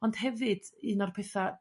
Ond hefyd un o'r petha'